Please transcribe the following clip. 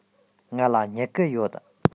ང ལ སྨྱུ གུ ཡོད